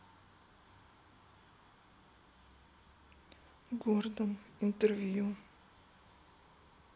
гордон интервью